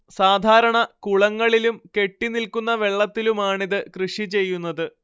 സാധാരണ കുളങ്ങളിലും കെട്ടിനിൽക്കുന്ന വെള്ളത്തിലുമാണിത് കൃഷി ചെയ്യുന്നത്